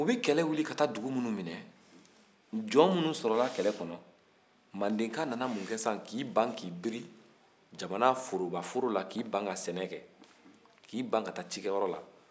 u bɛ kɛlɛ wili ka taa dugu minnu minɛ jɔn minnu sɔrɔla kɛlɛ kɔnɔ mandenka nana mun kɛ sisan k'a ban ka biri jamana fɔrɔba fɔrɔ la k'a ban ka sɛnɛ kɛ k'a ban ka taa cikɛ yɔrɔ la